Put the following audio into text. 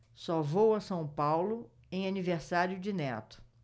só vou a são paulo em aniversário de neto